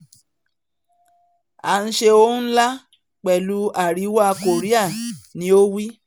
'À ń ṣe ohun ńlá pẹ̀lú Àriwá Kòríà,'' ní o wí.